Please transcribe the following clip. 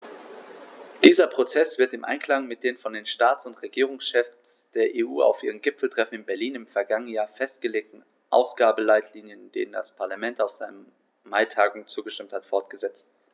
Dieser Prozess wird im Einklang mit den von den Staats- und Regierungschefs der EU auf ihrem Gipfeltreffen in Berlin im vergangenen Jahr festgelegten Ausgabenleitlinien, denen das Parlament auf seiner Maitagung zugestimmt hat, fortgesetzt.